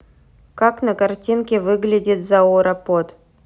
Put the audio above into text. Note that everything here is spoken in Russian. как на картинке выглядит зауропод